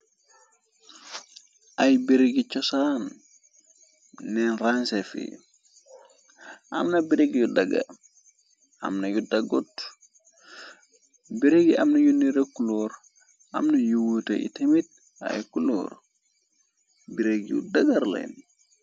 Ay birebi chosaan neen ransefi amna biregi amna yu nirëkuloor amna yu wuute tamit ay kuloor birëg yu dëgarlen.